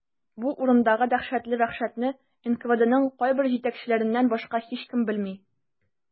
Бу урындагы дәһшәтле вәхшәтне НКВДның кайбер җитәкчеләреннән башка һичкем белми.